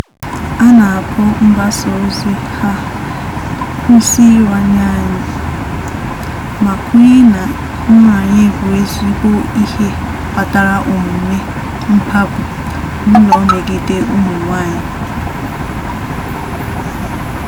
A na-akpọ mgbasa ozi ha "Kwụsị Ịranye Anyị" ma kwenye na nranye bụ ezigbo ihe kpatara omume mkpagbu n'ụlọ megide ụmụ nwaanyị.